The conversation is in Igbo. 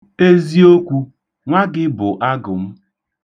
Eziokwu? Nwa gị bụ agụ m!